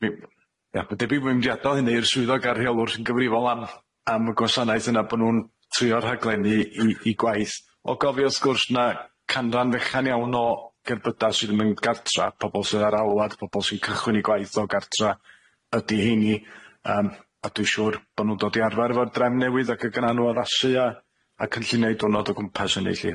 Mi ma' debyg bo' fi'n mynd i adal hynny i'r swyddog a rheolwr sy'n gyfrifol am am y gwasanaeth yna, bo' nw'n trio rhaglennu i i gwaith, o gofio wrth gwrs ma' canran fechan iawn o gerbydau sydd ddim yn gartra, pobol sydd ar alwad pobol sy'n cychwyn i gwaith o gartra, ydi heini yym a dwi siŵr bo' nw'n dod i arfer efo'r drefn newydd ac yy g'na nw addasu a a cynlluniau diwrnod o gwmpas hynny 'llu.